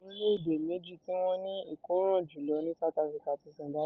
Àwọn orílẹ̀-èdè méjì tí wọ́n ní ìkóràn jùlọ ni South Africa àti Zimbabwe.